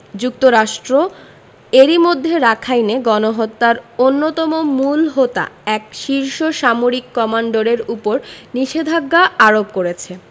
যুক্তরাষ্ট্র এরই মধ্যে রাখাইনে গণহত্যার অন্যতম মূল হোতা এক শীর্ষ সামরিক কমান্ডরের ওপর নিষেধাজ্ঞা আরোপ করেছে